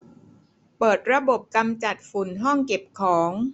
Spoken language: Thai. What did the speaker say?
เปิดระบบกำจัดฝุ่นห้องเก็บของ